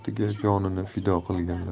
baxtiga jonini fido qilganlar